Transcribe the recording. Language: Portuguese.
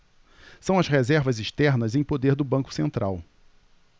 são as reservas externas em poder do banco central